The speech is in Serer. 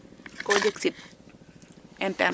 koo jeg sit internet?